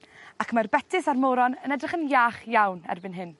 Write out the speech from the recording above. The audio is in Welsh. Ac mae'r betys a'r moron yn edrych yn iach iawn erbyn hyn.